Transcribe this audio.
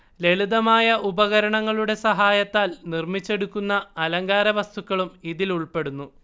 ലളിതമായ ഉപകരണങ്ങളുടെ സഹായത്താൽ നിർമ്മിച്ചെടുക്കുന്ന അലങ്കാര വസ്തുക്കളും ഇതിലുൾപ്പെടുന്നു